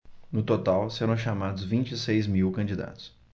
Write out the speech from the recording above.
no total serão chamados vinte e seis mil candidatos